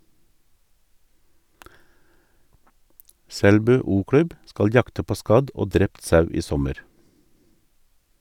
Selbu o-klubb skal jakte på skadd og drept sau i sommer.